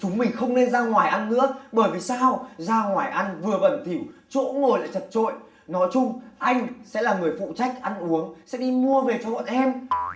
chúng mình không nên ra ngoài ăn nữa bởi vì sao ra ngoài ăn vừa bẩn thỉu chỗ ngồi lại chật chội nói chung anh sẽ là người phụ trách ăn uống sẽ đi mua về cho bọn em